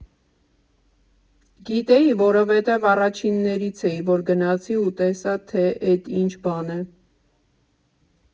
Գիտեի, որովհետև առաջիններից էի, որ գնացի ու տեսա, թե էդ ինչ բան է։